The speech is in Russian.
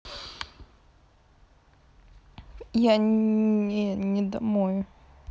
я не не домой